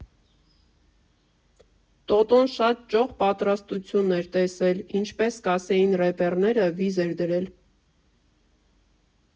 Տոտոն շատ ճոխ պատրաստություն էր տեսել, ինչպես կասեին ռեպերները՝ վիզ էր դրել։